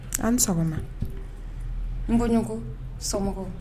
An sɔgɔma n bɔɲɔgɔn so